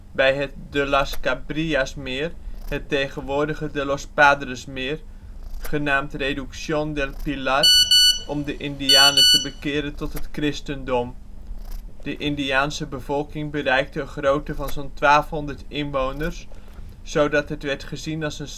bij het De las Cabrillasmeer (het tegenwoordige De los Padresmeer), genaamd Reducción del Pilar, om de indianen te bekeren tot het christendom. De indiaanse bevolking bereikte een grootte van zo 'n 1200 inwoners zodat het werd gezien als een